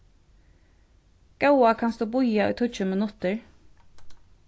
góða kanst tú bíða í tíggju minuttir